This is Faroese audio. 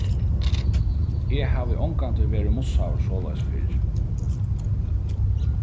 eg havi ongantíð verið mussaður soleiðis fyrr